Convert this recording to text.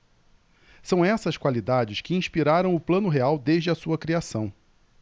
são essas qualidades que inspiraram o plano real desde a sua criação